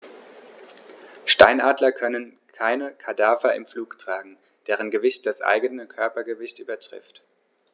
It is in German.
Steinadler können keine Kadaver im Flug tragen, deren Gewicht das eigene Körpergewicht übertrifft.